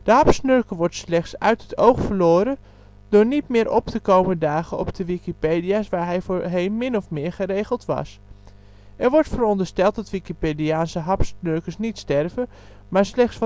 hapsnurker wordt slechts uit het oog verloren door niet meer op te komen dagen op de Wikipedia 's waar hij voorheen min of meer geregeld was. Er wordt verondersteld dat Wikipediaanse hapsnurkers niet sterven, maar slechts